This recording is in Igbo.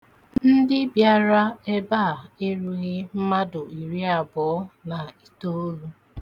Ndị bịara ebe a erughị mmadụ iriabụọ na itoolu.